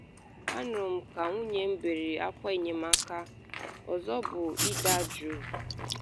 “A nụrụ m ka nwunye m bere akwa maka enyemaka, ọzọ bụ ịda jụụ.